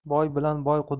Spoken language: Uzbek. boy bilan boy quda